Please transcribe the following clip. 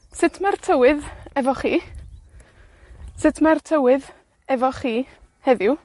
Sut ma'r tywydd efo chi? Sut ma'r tywydd efo chi, heddiw?